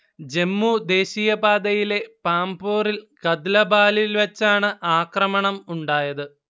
ജമ്മു ദേശീയപാതയിലെ പാംപോറിൽ കദ്ലാബാലിൽ വച്ചാണ് ആക്രമണം ഉണ്ടായത്